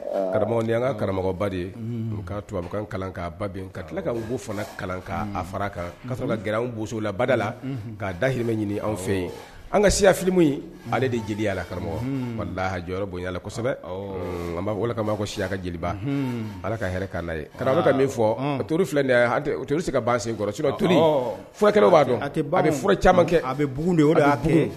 Karamɔgɔ ni an ka karamɔgɔba de ye tubabu ka kalankanba ka tila ka fana kalankan a fara kan ka ka g bo la bada la'a damɛ ɲini an fɛ ye an ka siyafimu ale de jeli jeliya karamɔgɔhaj bonla kama ko siya ka jeliba ala ka hɛrɛ'' ye kara da min fɔtouru filɛto se ka ba sen kɔrɔ to furakɛ b'a dɔn ba bɛ caman kɛ a bɛ bbugu de o a